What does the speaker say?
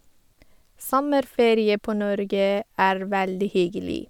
Sommerferie på Norge er veldig hyggelig.